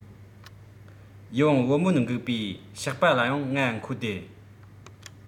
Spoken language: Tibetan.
ཡིད འོང བུ མོ འགུགས པའི ཞགས པ ལའང ང མཁོ སྟེ